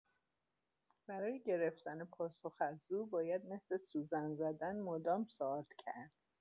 برای گرفتن پاسخ از او باید مثل سوزن زدن مدام سوال کرد.